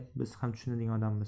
biz ham tushunadigan odammiz